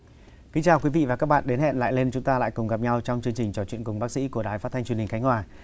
kính chào quý vị và các bạn đến hẹn lại lên chúng ta lại cùng gặp nhau trong chương trình trò chuyện cùng bác sĩ của đài phát thanh truyền hình khánh hòa